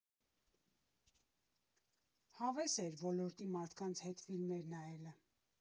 Հավես էր ոլորտի մարդկանց հետ ֆիլմեր նայելը։